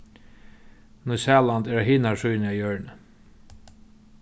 nýsæland er á hinari síðuni av jørðini